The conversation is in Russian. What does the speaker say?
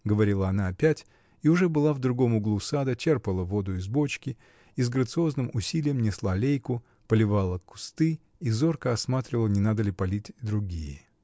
— говорила она опять, и уже была в другом углу сада, черпала воду из бочки и с грациозным усилием несла лейку, поливала кусты и зорко осматривала, не надо ли полить другие.